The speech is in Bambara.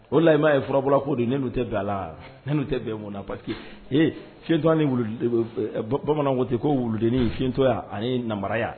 O lahi ye furabɔ ko de n tɛ don a la n tɛ bɛn munna pa que ee fitɔ bamananwko tɛ ko wuldennin fitɔya ani naraya